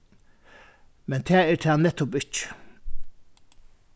men tað er tað nettupp ikki